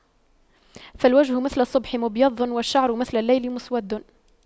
فالوجه مثل الصبح مبيض والشعر مثل الليل مسود